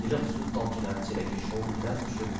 iliq sut tomchilari chelakka shovillab tushib